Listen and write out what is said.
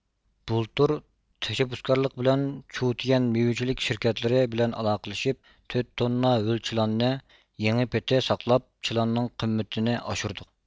بۇلتۇر تەشەببۇسكارلىق بىلەن چۇتيەن مېۋىچىلىك شىركەتلىرى بىلەن ئالاقىلىشىپ تۆت توننا ھۆل چىلاننى يېڭى پىتى ساقلاپ چىلاننىڭ قىممىتىنى ئاشۇردۇق